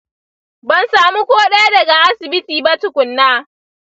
ban samu ko ɗaya daga asibiti ba tukuna.